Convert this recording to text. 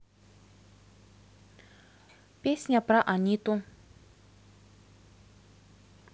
песня про аниту